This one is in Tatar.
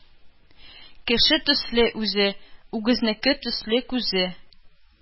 Кеше төсле үзе, үгезнеке төсле күзе,